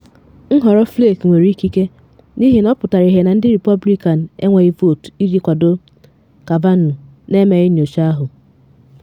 Nhọrọ Flake nwere ikike, n’ihi ọ pụtara ihie na ndị Repọblikans enweghị vootu iji kwado Kavanaugh na emeghị nnyocha ahụ.